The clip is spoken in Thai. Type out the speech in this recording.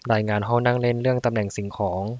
รายงานห้องนั่งเล่นเรื่องตำแหน่งสิ่งของ